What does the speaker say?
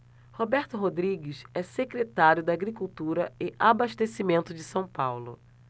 roberto rodrigues é secretário da agricultura e abastecimento de são paulo